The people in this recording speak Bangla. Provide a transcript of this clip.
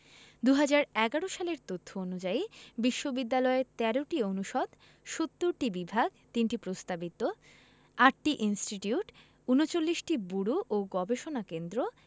২০১১ সালের তথ্য অনুযায়ী বিশ্ববিদ্যালয়ে ১৩টি অনুষদ ৭০টি বিভাগ ৩টি প্রস্তাবিত ৮টি ইনস্টিটিউট ৩৯টি ব্যুরো ও গবেষণা কেন্দ্র